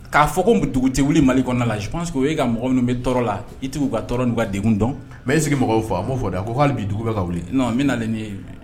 K'a fɔ ko dugu tɛ wuli mali kɔnɔna la je pense que o ye mɔgɔ minnu bɛ tɔɔrɔ la ,i tɛ k'u tigiw ka tɔɔrɔ ni u ka degun don mais est -ce que mɔgɔ y'o fɔ, a m'ɔ fɔ dɛ. A ko hali bi dugu bɛ ka wuli. non n bɛnalen ni ye.